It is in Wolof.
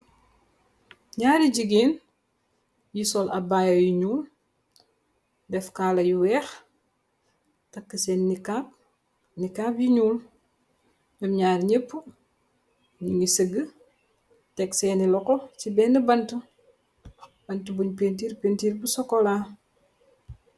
Ñaari jigeen lu sol abbay yu ñuul def kala yu wèèx takka sèèn nikap, nikap yu ñuul ñom ñaar ñap ñugi sagë tek sééni loxo ci benna bant, bant buñ pentir pentir bu sokola.